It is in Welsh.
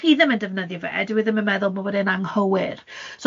chi ddim yn defnyddio fe, dyw e ddim yn meddwl bod e'n anghywir.